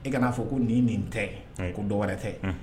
I kana n'a fɔ ko nin, nin tɛ; hun; ko dɔ wɛrɛ tɛ; hun